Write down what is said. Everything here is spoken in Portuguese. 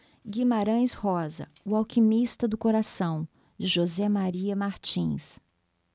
guimarães rosa o alquimista do coração de josé maria martins